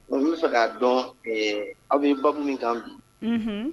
Donc n be fɛ k'a dɔn ee aw bɛ baabu min kan bi unhun